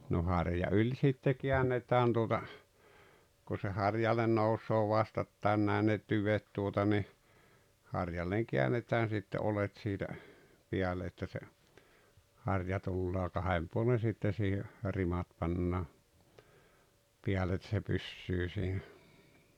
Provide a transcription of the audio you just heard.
no harja yli sitten käännetään tuota kun se harjalle nousee vastakkain näin ne tyvet tuota niin harjalle käännetään sitten oljet siitä päälle että se harja tulee kahden puolen sitten siihen rimat pannaan päälle että se pysyy siinä